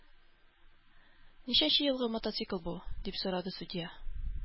Ничәнче елгы мотоцикл бу? – дип сорады судья.